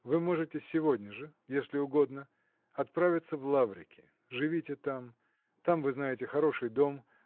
Вы можете сегодня же, если угодно, отправиться в Лаврики, живите там там, вы знаете, хороший дом